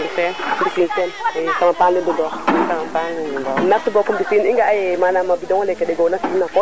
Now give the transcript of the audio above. wa kay merci beaucoup i ndoka kama ɗingale i verifier ye i nga a ye a jega kaana weera keke leeɓa ne refa pertement na nuun